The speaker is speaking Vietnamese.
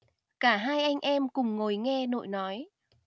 cả hai anh em cùng ngồi nghe nội nói